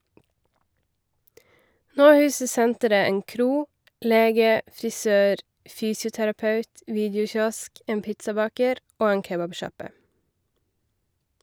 Nå huser senteret en kro, lege, frisør, fysioterapeut, videokiosk, en pizzabaker og en kebabsjappe.